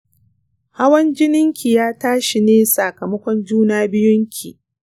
hawan jinin ki ya tashi ne sakamakon juna biyun ki.